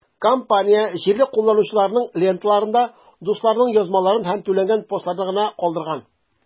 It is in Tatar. Компания җирле кулланучыларның ленталарында дусларының язмаларын һәм түләнгән постларны гына калдырган.